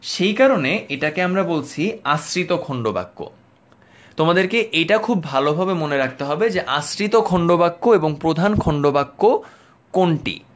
সে কারণে এটা কে আমরা বলছি আশ্রিত খন্ডবাক্য তোমাদেরকে এটা খুব ভালোভাবে মনে রাখতে হবে যে আশ্রিত খন্ডবাক্য এবং প্রধান খন্ড বাক্য কোনটি